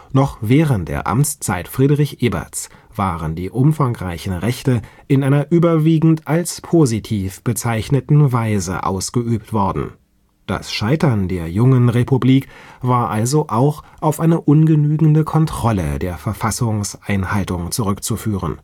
Noch während der Amtszeit Friedrich Eberts waren die umfangreichen Rechte in einer überwiegend als positiv bezeichneten Weise ausgeübt worden – das Scheitern der jungen Republik war also auch auf eine ungenügende Kontrolle der Verfassungseinhaltung zurückzuführen